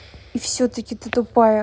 и все таки ты тупая